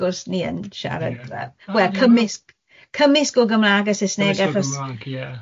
gwrs ni yn siarad fel wel cymysg, cymysg o Gymraeg a Saesneg achos... Cymysg o Gymraeg, ie.